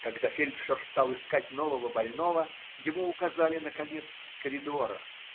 Когда фельдшер стал искать нового больного, ему указали на конец коридора